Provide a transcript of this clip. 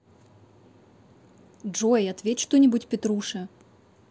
джой ответь что нибудь петруше